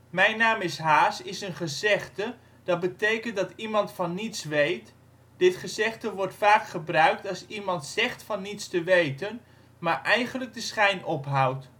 Mijn naam is haas " is een gezegde dat betekent dat iemand van niets weet. Dit gezegde wordt vaak gebruikt als iemand zegt van niets te weten, maar eigenlijk de schijn ophoudt